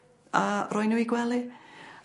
a roi n'w i gwely.